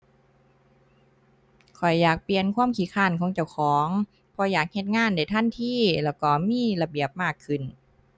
ข้อยอยากเปลี่ยนความขี้คร้านของเจ้าของ เพราะอยากเฮ็ดงานได้ทันที แล้วก็มีระเบียบมากขึ้น